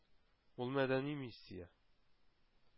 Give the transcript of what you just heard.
Ул мәдәни миссия.